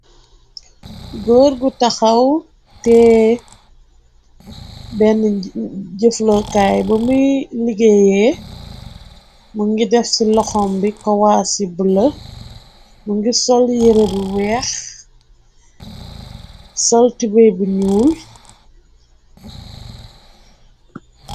Góor gu taxaw te benn jëflokaay bamuy liggéeyee mu ngi def ci loxom bi kowaa ci ble mu ngi sol yere bi weex sol tubeh bu ñuul.